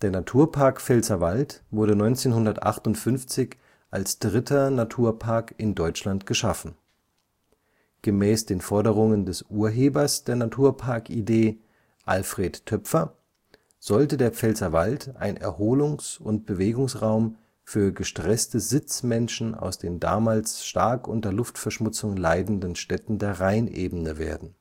Naturpark Pfälzerwald wurde 1958 als dritter Naturpark in Deutschland geschaffen. Gemäß den Forderungen des Urhebers der Naturparkidee, Alfred Toepfer, sollte der Pfälzerwald ein Erholungs - und Bewegungsraum für gestresste Sitzmenschen aus den damals stark unter Luftverschmutzung leidenden Städten der Rheinebene werden